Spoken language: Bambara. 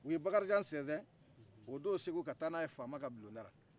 u ye bakarijan sɛnsɛn o don segu ka taa n'aye faama ka bulon da la